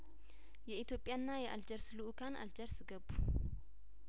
የኢትዮጵያና የአልጀርስ ልኡካን አልጀርስ ገቡ